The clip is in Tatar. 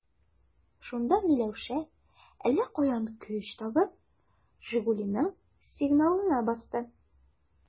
Шунда Миләүшә, әллә каян көч табып, «Жигули»ның сигналына басты.